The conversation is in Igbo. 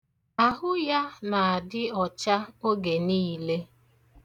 Ahụ ya na-adị ọcha oge niile.